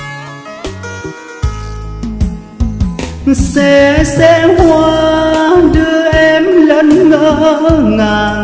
xe xe hoa đưa em lần ngỡ ngàng